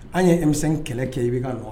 An ye e mi kɛlɛ kɛ i bɛ ka nɔ